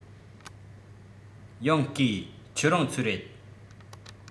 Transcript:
ཡང བརྐུས ཁྱེད རང ཚོའི རེད